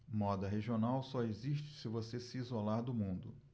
moda regional só existe se você se isolar do mundo